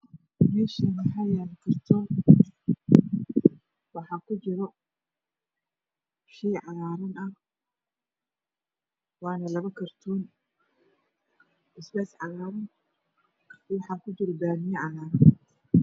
Meshaan waxaa yala kortoon waxaa ku jira shey cagaaran waana lapa kortoon waxaa ku jira pamiya cagaran